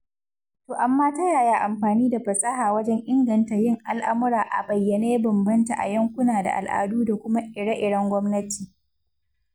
To amma ta yaya amfani da fasaha wajen inganta yin al'amura a bayyane ya bambanta a yankuna da al'adu da kuma ire-iren gwamnati?